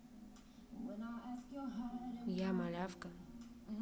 я малявка